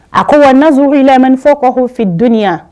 A ko wa n na zouru' laminifɔ fɔ ko hu filidonniya